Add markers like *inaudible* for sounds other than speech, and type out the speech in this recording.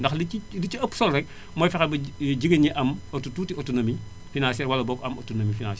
ndax li ci li ci ëpp solo rekk *inhales* mooy fexe ba jigéen ñi am auto tuuti autonomie financière wala boog am autonomie financière